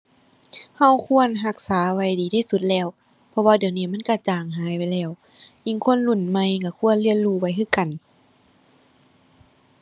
เราควรรักษาไว้ดีที่สุดแล้ว เพราะว่าเดี๋ยวนี้มันเราจางหายไปแล้ว ยิ่งคนรุ่นใหม่เราควรเรียนรู้ไว้คือกัน